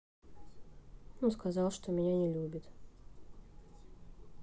он сказал что меня не любит